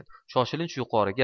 shoshilinch yuqoriga